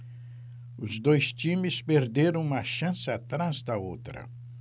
os dois times perderam uma chance atrás da outra